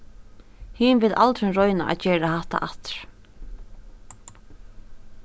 hin vil aldrin royna at gera hatta aftur